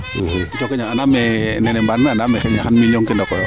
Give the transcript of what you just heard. njoko njal a paax anaame xan million ke ndoko yo